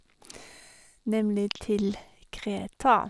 Nemlig til Kreta.